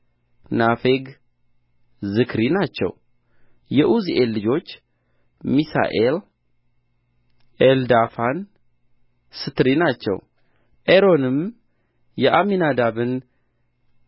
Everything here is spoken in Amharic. ናፌግ ዝክሪ ናቸው የዑዝኤል ልጆች ሚሳኤል ኤልዳፋን ሥትሪ ናቸው አሮንም የአሚናዳብን